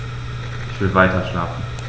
Ich will weiterschlafen.